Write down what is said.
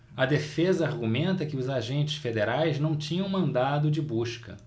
a defesa argumenta que os agentes federais não tinham mandado de busca